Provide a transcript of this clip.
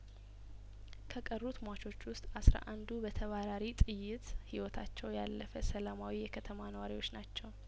ከቀሩት ሟቾች ውስጥ አስራ አንዱ በተባራሪ ጥይት ህይወታቸው ያለፈ ሰላማዊ የከተማ ነዋሪዎች ናቸው